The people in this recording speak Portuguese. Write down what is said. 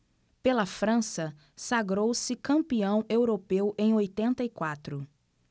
pela frança sagrou-se campeão europeu em oitenta e quatro